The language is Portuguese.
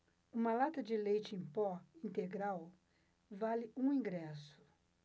uma lata de leite em pó integral vale um ingresso